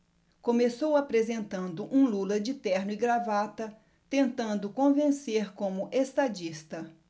começou apresentando um lula de terno e gravata tentando convencer como estadista